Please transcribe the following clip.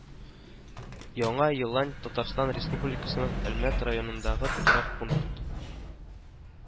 Яңа Елань Татарстан Республикасының Әлмәт районындагы торак пункт